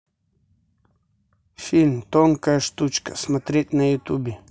фильм тонкая штучка смотреть на ютубе